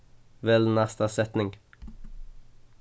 vel næsta setning